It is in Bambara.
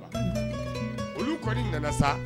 Olu kɔnni nana sa